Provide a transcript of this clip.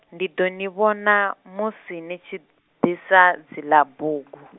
ndi ḓo ni vhona, musi ni tshi, ḓisa, dzila bugu.